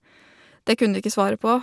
Det kunne de ikke svare på.